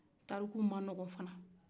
tariku man nɔgɔ fana